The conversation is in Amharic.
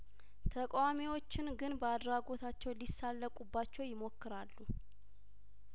ተቃዋሚዎችን ግን በአድራጐታቸው ሊሳለቁባቸው ይሞክራሉ